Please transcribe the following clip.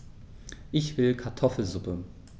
Ich will Kartoffelsuppe.